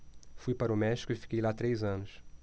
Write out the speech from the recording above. fui para o méxico e fiquei lá três anos